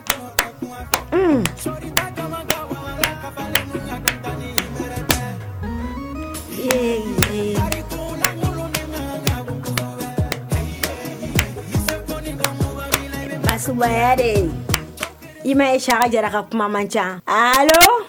I ma i saga jara ka kuma man ca